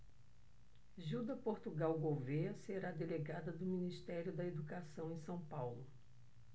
gilda portugal gouvêa será delegada do ministério da educação em são paulo